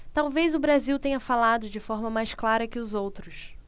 talvez o brasil tenha falado de forma mais clara que os outros